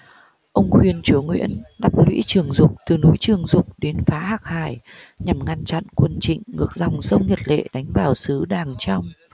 ông khuyên chúa nguyễn đắp lũy trường dục từ núi trường dục đến phá hạc hải nhằm ngăn chặn quân trịnh ngược dòng sông nhật lệ đánh vào xứ đàng trong